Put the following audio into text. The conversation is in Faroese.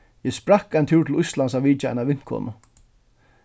eg sprakk ein túr til íslands at vitja eina vinkonu